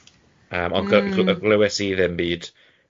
Yym ond gly- glywes i ddim byd.